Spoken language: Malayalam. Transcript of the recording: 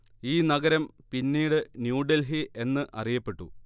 ഈ നഗരം പിന്നീട് ന്യൂ ഡെൽഹി എന്ന് അറിയപ്പെട്ടു